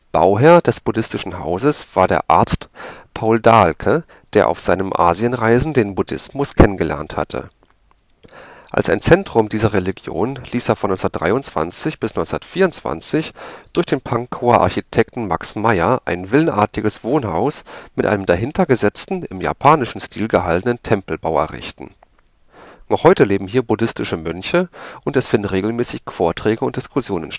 Bauherr des Buddhistischen Hauses war der Arzt Paul Dahlke, der auf seinen Asienreisen den Buddhismus kennengelernt hatte. Als ein Zentrum dieser Religion ließ er von 1923 bis 1924 durch den Pankower Architekten Max Meyer ein villenartiges Wohnhaus mit einem dahinter gesetzten, im japanischen Stil gehaltenen Tempelbau errichten. Noch heute leben hier buddhistische Mönche und es finden regelmäßig Vorträge und Diskussionen